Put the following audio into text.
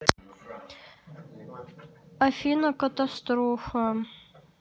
афина катастрофа